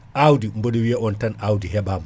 awdi mbeɗa wiya on tan awdi heɓama